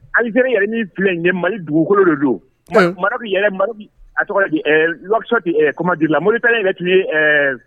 Aliere yɛrɛ ni filɛ ye mali dugukolo de don bɛ yɛlɛ a tɔgɔ lasa kumadi la mori kelen in yɛrɛ tun